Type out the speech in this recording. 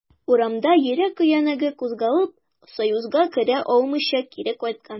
Урамда йөрәк өянәге кузгалып, союзга керә алмыйча, кире кайткан.